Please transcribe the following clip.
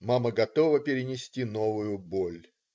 Мама готова перенести новую боль. ...